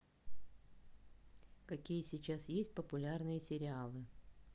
какие сейчас есть популярные сериалы